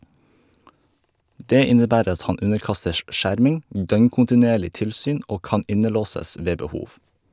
Det innebærer at han underkastes skjerming, døgnkontinuerlig tilsyn og kan innelåses ved behov.